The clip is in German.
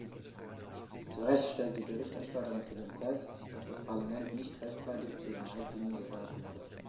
Zu Recht stellt die Berichterstatterin zudem fest, dass das Parlament nicht rechtzeitig zu den Leitlinien gehört wurde.